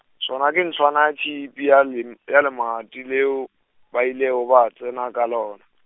sona ke ntlwana ya tšhipi ya lem-, ya lemati leo ba ilego ba tsena ka lona.